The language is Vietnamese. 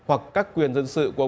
hoặc các quyền dân sự của ông